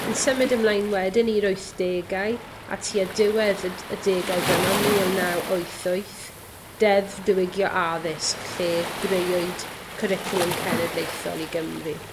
Yn symud ymlaen wedyn i'r wythdegau, a tua diwedd y d- y degawd yma, mil naw wyth wyth, deddf diwygio addysg lle greuwyd cwricwlwm cenedlaethol i Gymru.